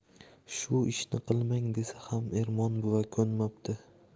shu ishni qilmang desa ham ermon buva ko'nmapti